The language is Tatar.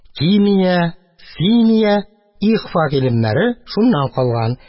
Кимия, симия, ихфа гыйлемнәре шуннан калган.